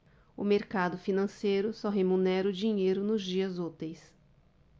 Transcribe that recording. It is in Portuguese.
o mercado financeiro só remunera o dinheiro nos dias úteis